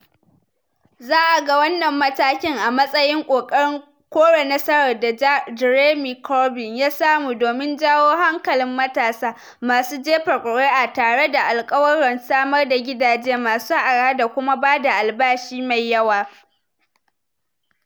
Za a ga wannan matakin a matsayin ƙoƙarin kore nasarar da Jeremy Corbyn ya samu domin jawo hankalin matasa masu jefa kuri'a tare da alƙawuran samar da gidaje masu arha da kuma bada albashi me yawa.